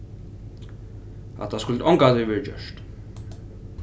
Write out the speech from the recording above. hatta skuldi ongantíð verið gjørt